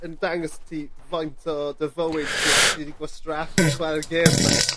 ...yn dangos ti faint o dy fywyd ti actually 'di gwastraffu'n chware'r gêm 'ma?